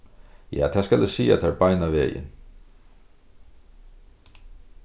ja tað skal eg siga tær beinanvegin